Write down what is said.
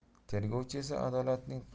tergovchi esa adolatning